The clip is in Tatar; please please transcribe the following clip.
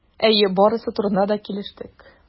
Әйе, барысы турында да килештек.